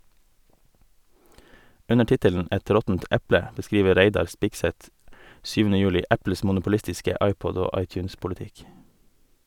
Under tittelen "Et råttent eple" beskriver Reidar Spigseth 7. juli Apples monopolistiske iPod- og iTunes-politikk.